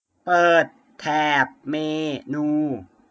เปิดแถบเมนู